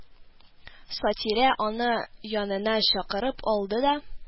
Сатирә аны янына чакырып алды да: